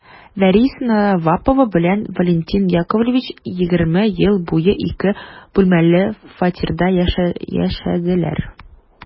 Вәриса Наваповна белән Валентин Яковлевич егерме ел буе ике бүлмәле фатирда яшәделәр.